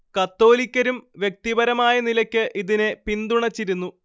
കത്തോലിക്കരും വ്യക്തിപരമായ നിലയ്ക്ക് ഇതിനെ പിന്തുണച്ചിരുന്നു